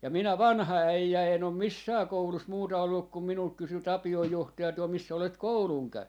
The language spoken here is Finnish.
ja minä vanha äijä en ole missään koulussa muuta ollut kun minulta kysyi Tapion johtaja tuolla missä olet koulun käynyt